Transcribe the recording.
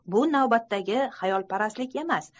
bu navbatdagi xayolparastlik emas